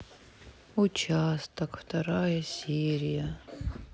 участок вторая серия